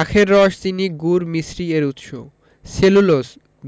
আখের রস চিনি গুড় মিছরি এর উৎস সেলুলোজ